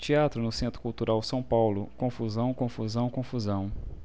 teatro no centro cultural são paulo confusão confusão confusão